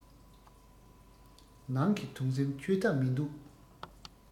ནང གི དུང སེམས ཆོད ཐབས མིན འདུག